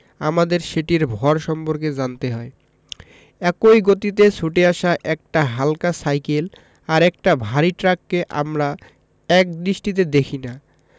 আমাদের সেটির ভর সম্পর্কে জানতে হয় একই গতিতে ছুটে আসা একটা হালকা সাইকেল আর একটা ভারী ট্রাককে আমরা একদৃষ্টিতে দেখি না